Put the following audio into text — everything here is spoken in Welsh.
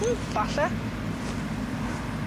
Hmm, falle?